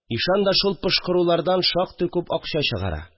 Ишан да шул пошкырулардан шактый күп акча чыгара